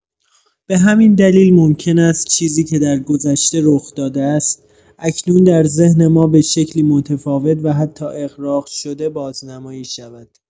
به همین دلیل، ممکن است چیزی که درگذشته رخ‌داده است، اکنون در ذهن ما به شکلی متفاوت و حتی اغراق‌شده بازنمایی شود.